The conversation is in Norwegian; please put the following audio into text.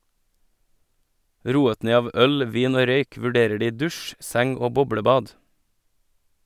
Roet ned av øl, vin og røyk vurderer de dusj, seng og boblebad.